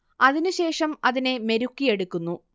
അതിനു ശേഷം അതിനെ മെരുക്കിയെടുക്കുന്നു